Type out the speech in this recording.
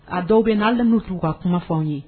A dɔw bɛ n'ale''u ka kumafɛnw ye